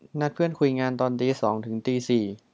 นัดเพื่อนคุยงานตอนตีสองถึงตีสี่